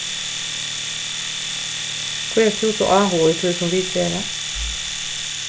hví ert tú so áhugað í tí sum vit gera